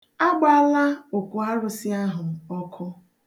A gbaala okwuarụsị ahụ ọkụ.